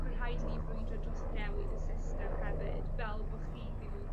ma' rhaid i ni frwydro dros newid y system hefyd fel bo' chi ddim yn